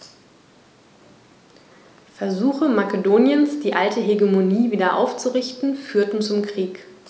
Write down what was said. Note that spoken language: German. Versuche Makedoniens, die alte Hegemonie wieder aufzurichten, führten zum Krieg.